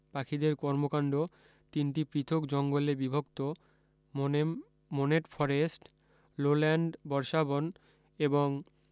পাখিদের কর্মকান্ড তিনটি পৃথক জঙ্গলে বিভক্ত মোনেম মোনেট ফরেষ্ট লোল্যান্ড বর্ষাবন এবং